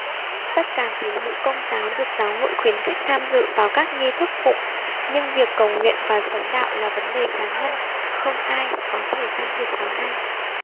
tất cả tín hữu công giáo được giáo hội khuyến khích tham dự vào các nghi thức phụng nhưng việc cầu nguyện và sống đạo là vấn đề cá nhân không ai có thể can thiệp vào ai